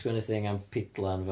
Sgwennu thing am pidlan fo.